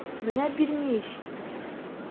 Менә бирми ич!